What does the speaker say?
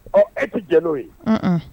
Ɔ e tɛ jeliw ye